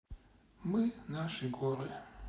мы наши горы